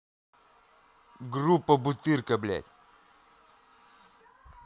группа бутырка блядь